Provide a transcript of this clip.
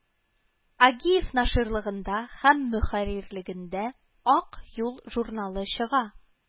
Агиев наширлыгында һәм мөхәррирлегендә Ак юл журналы чыга